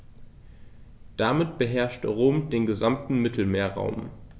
Damit beherrschte Rom den gesamten Mittelmeerraum.